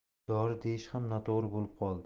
dori deyish ham noto'g'ri bo'lib qoldi